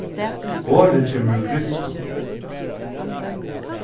orðið kemur úr grikskum